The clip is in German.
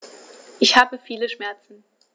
Ich habe viele Schmerzen.